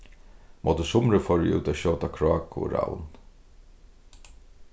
móti sumri fór eg út at skjóta kráku og ravn